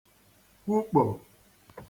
kwụkpò